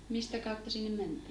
mistä kautta sinne mentiin